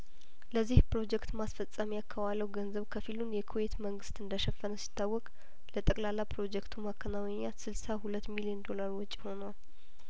ለዚህ ፕሮጀክት ማስፈጸሚያ ከዋለው ገንዘብ ከፊሉን የኩዌት መንግስት እንደሸፈነ ሲታወቅ ለጠቅላላ ፕሮጀክቱ ማከናወኛ ስልሳ ሁለት ሚሊዮን ዶላር ወጪ ሆኗል